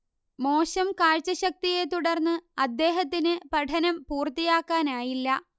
മോശം കാഴ്ച ശക്തിയെത്തുടർന്ന് അദ്ദേഹത്തിന് പഠനം പൂർത്തിയാക്കാനായില്ല